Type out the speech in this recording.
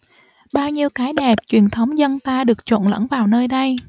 bao nhiêu cái đẹp truyền thống dân ta được trộn lẫn vào nơi đây